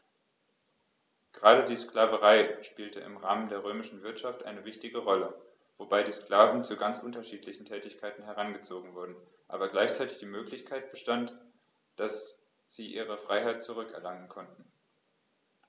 Gerade die Sklaverei spielte im Rahmen der römischen Wirtschaft eine wichtige Rolle, wobei die Sklaven zu ganz unterschiedlichen Tätigkeiten herangezogen wurden, aber gleichzeitig die Möglichkeit bestand, dass sie ihre Freiheit zurück erlangen konnten.